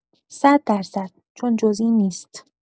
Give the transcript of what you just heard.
صد در صد چون جز این نیست